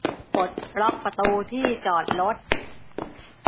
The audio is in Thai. ปลดล็อคประตูที่จอดรถ